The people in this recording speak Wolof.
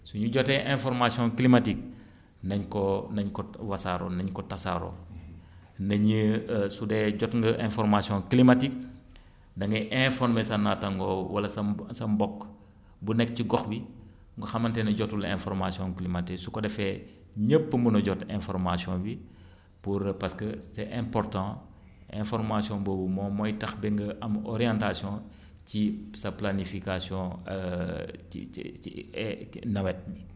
su ñu jotee information climatique nañ koo nañ ko wasaaroo nañ ko tasaaroo nañ su dee jot nga information climatique da ngay informé sa nàttaangoo wala sa mbokk bu nekk ci gox bi nga xamante ni jotul information climatique su ko defee ñépp mën a jot information bi pour parce que c' est important information boobu moo mooy tax ba nga am orientation ci sa planification ci ci ci nawet mi